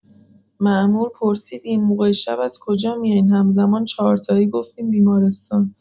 مامور پرسید این موقع شب از کجا میاین همزمان چهارتایی گفتیم بیمارستان